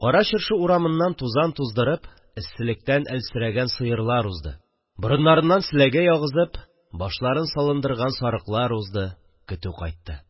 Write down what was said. Кара Чыршы урамыннан, тузан туздырып, эсселектән әлсерәгән сыерлар узды, борыннарыннан селәгәй агызып, башларын салындырган сарыклар узды – көтү кайтты